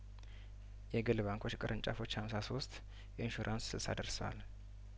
የግል ባንኮች ቅርንጫፎች ሀምሳ ሶስት ኢንሹራንስ ስልሳ ደርሰዋል